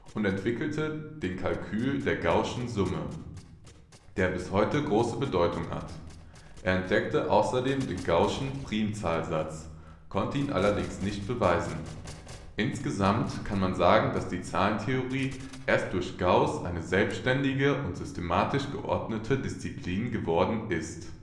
und entwickelte den Kalkül der Gaußschen Summen, der bis heute große Bedeutung hat. Er entdeckte außerdem den gaußschen Primzahlsatz, konnte ihn allerdings nicht beweisen. Insgesamt kann man sagen, dass die Zahlentheorie erst durch Gauß eine selbständige und systematisch geordnete Disziplin geworden ist